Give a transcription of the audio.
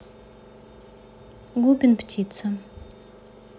губин птица